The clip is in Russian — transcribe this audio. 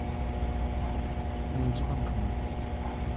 найди банкомат